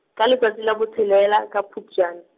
ka letsatsi labo tshelela, ka Phupjane.